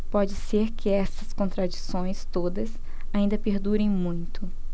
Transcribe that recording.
pode ser que estas contradições todas ainda perdurem muito